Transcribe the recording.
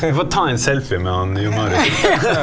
du får ta en selfie med han Jon Marius .